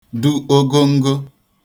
du ogongo